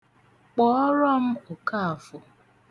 Kpọọrọ m Okaafọ.